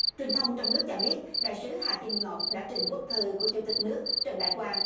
truyền thông trong nước cho biết đại sứ hà kim ngọc đã trình quốc thư của chủ tịch nước trần đại quang